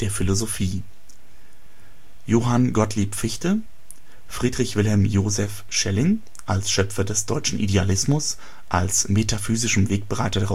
Philosophie Johann Gottlieb Fichte, Friedrich Wilhelm Joseph Schelling als Schöpfer des Deutschen Idealismus als metaphysischem Wegbereiter